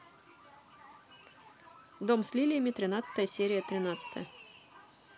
дом с лилиями тринадцатая серия тринадцатая